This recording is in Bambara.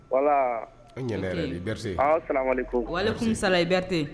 Wala sarayi bɛte